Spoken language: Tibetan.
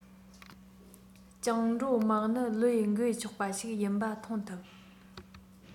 བཅིངས འགྲོལ དམག ནི བློས འགེལ ཆོག པ ཞིག ཡིན པ མཐོང ཐུབ